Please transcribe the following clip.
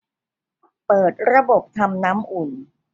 เปิดระบบทำน้ำอุ่น